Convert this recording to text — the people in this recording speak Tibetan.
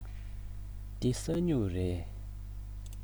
འདི ས སྨྱུག རེད